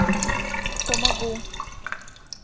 помогу